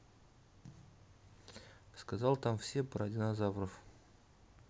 сказал там все про динозавров